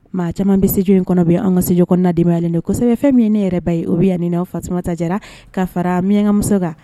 Maa caman bɛtudi in kɔnɔ bɛ an ka sdi kɔnɔna nadibayayalen desɛbɛ fɛn min ne yɛrɛ ba ye o bɛ yan ni n'aw fa ta jɛra ka fara miyankamuso kan